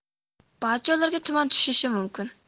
ba'zi joylarga tuman tushishi mumkin